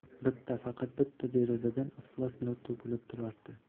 bitta faqat bitta derazadan iflos nur to'kilib turardi